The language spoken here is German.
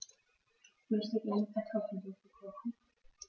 Ich möchte gerne Kartoffelsuppe kochen.